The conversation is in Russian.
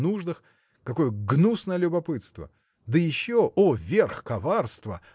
о нуждах – какое гнусное любопытство! да еще – о, верх коварства!